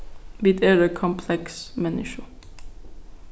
vit eru kompleks menniskju